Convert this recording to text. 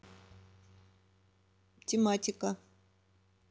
тематика